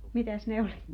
mitäs ne oli